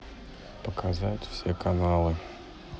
показать все каналы